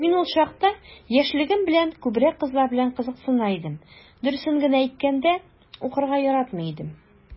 Мин ул чакта, яшьлегем белән, күбрәк кызлар белән кызыксына идем, дөресен генә әйткәндә, укырга яратмый идем...